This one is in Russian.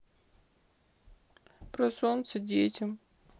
про солнце детям